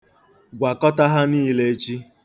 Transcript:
Gwakọta ha nille echi.